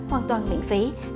hoàn toàn miễn phí